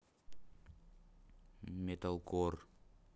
металкор